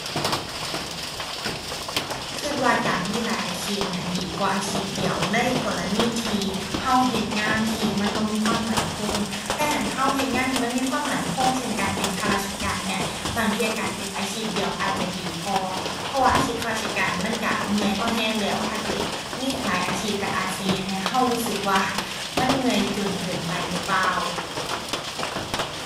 คิดว่าการมีหลายอาชีพนี่ดีกว่าอาชีพเดียว ในกรณีที่คิดเฮ็ดงานที่มันบ่มีความมั่นคง แต่หั้นคิดเฮ็ดงานที่มันมีความมั่นคงเช่น การเป็นข้าราชการเนี่ย บางเที่ยการเป็นอาชีพเดียวอาจจะดีกว่า เพราะว่าอาชีพข้าราชการมันคิดเมื่อยพอคิดแล้ว ถ้าเกิดมีหลายอาชีพคิดอาจสิเฮ็ดให้คิดรู้สึกว่ามันเมื่อยจนเกินไปหรือเปล่า